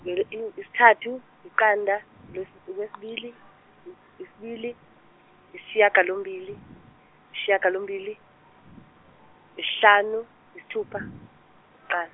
isithathu yiqanda okwe- okwesibili i- isibili, isishiyagalombili yisishiyagalombili, yishlanu yisthupha yiqa-.